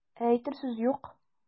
Ә әйтер сүз юк.